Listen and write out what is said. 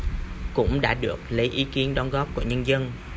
cũng đã được lấy ý kiến đóng góp của nhân dân